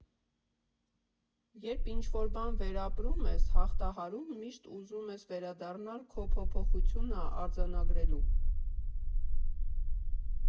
Երբ ինչ֊որ բան վերապրում ես, հաղթահարում, միշտ ուզում ես վերադառնալ՝ քո փոփոխությունը արձանագրելու։